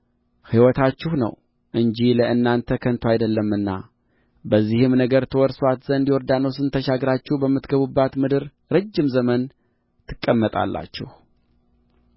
ሕይወታችሁ ነው እንጂ ለእናንተ ከንቱ አይደለምና በዚህም ነገር ትወርሱአት ዘንድ ዮርዳኖስን ተሻግራችሁ በምትገቡባት ምድር ረጅም ዘመን ትቀመጣላችሁ